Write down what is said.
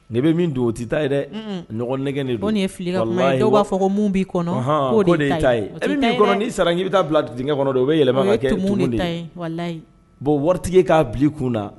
N'i bɛ min dun o i tɛ ta ye dɛ ,unun, ɲɔgɔnnegɛ de don, wallahi nin ye fili ka kuma ye, ɔnhɔn, , dɔw b'a fɔ ko mun b'i kɔnɔ o de y'i ta ye , Sara , ɛɛ min bɛ j kɔnɔ, n'i sara, i bɛ taa bila dingɛ kɔnɔ, donc o bɛ yɛlɛma ka kɛ tumuw de. Waritigi k'a bila a kun na